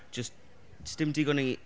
Jyst sdim digon o ni...